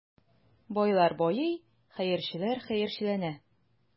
Байлар байый, хәерчеләр хәерчеләнә.